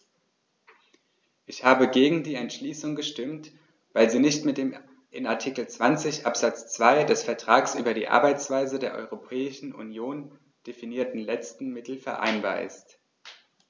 Ich habe gegen die Entschließung gestimmt, weil sie nicht mit dem in Artikel 20 Absatz 2 des Vertrags über die Arbeitsweise der Europäischen Union definierten letzten Mittel vereinbar ist.